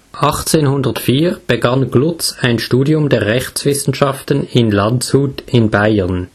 1804 begann Glutz ein Studium der Rechtswissenschaften in Landshut in Bayern